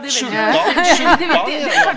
sulta sulta .